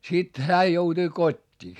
sitten hän joutui kotiin